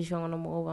I siɔn mɔgɔw kan